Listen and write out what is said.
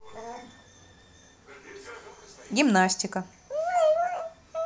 гимнастика